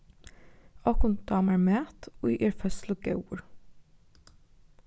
okkum dámar mat ið er føðslugóður